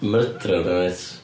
myrdro fo wyt.